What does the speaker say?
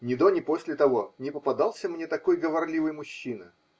Ни до, ни после того не попадался мне такой говорливый мужчина